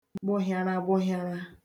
gbụhịaragbụhịara